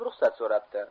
ruxsat so'rabdi